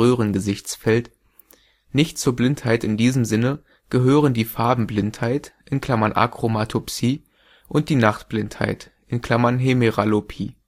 Röhrengesichtsfeld). Nicht zur Blindheit in diesem Sinne gehören die Farbenblindheit (Achromatopsie) und die Nachtblindheit (Hemeralopie